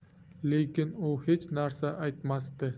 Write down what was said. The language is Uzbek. lekin u hech narsa aytmasdi